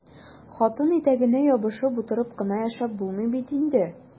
Хатын итәгенә ябышып утырып кына яшәп булмый бит инде!